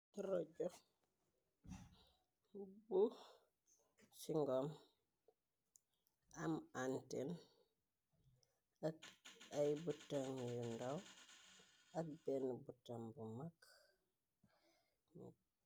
Rojo bu singom am antel kay butom yu ndaw ak benn butom bu mag.